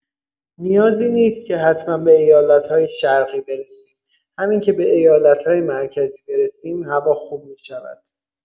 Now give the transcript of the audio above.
نیازی نیست که حتما به ایالت‌های شرقی برسیم، همین که به ایالت‌های مرکزی برسیم، هوا خوب می‌شود.